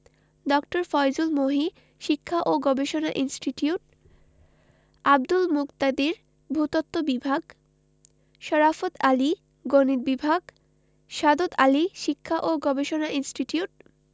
ড. ফয়জুল মহি শিক্ষা ও গবেষণা ইনস্টিটিউট আব্দুল মুকতাদির ভূ তত্ত্ব বিভাগ শরাফৎ আলী গণিত বিভাগ সাদত আলী শিক্ষা ও গবেষণা ইনস্টিটিউট